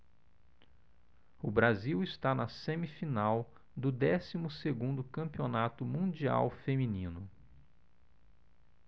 o brasil está na semifinal do décimo segundo campeonato mundial feminino